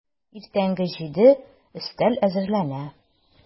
Иртәнге җиде, өстәл әзерләнә.